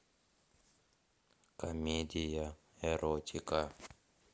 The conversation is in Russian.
комедия эротика